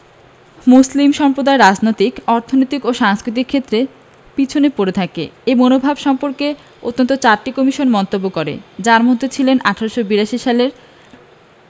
মুসলিম সম্প্রদায় রাজনৈতিক অর্থনৈতিক ও সাংস্কৃতিক ক্ষেত্রে পেছনে পড়ে থাকে এ মনোভাব সম্পর্কে অন্তত চারটি কমিশন মন্তব্য করে যার মধ্যে ছিল ১৮৮২ সালের